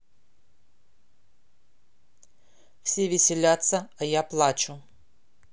все веселятся а я плачу